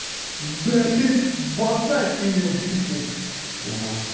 Бәхет баса сине!